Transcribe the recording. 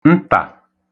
ntà